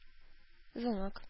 Звонок